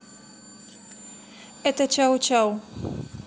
это чау чау